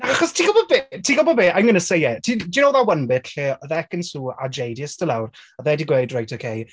Achos ti'n gwybod be? Ti'n gwybod be? I'm going to say it. Do you know that one bit lle oedd Ekin-Su a Jay 'di ishte lawr, oedd e 'di gweud, "Reit okay"...